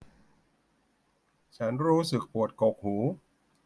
ฉันรู้สึกปวดกกหู